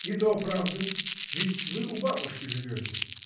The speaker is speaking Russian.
— И то правда, ведь вы у бабушки живете.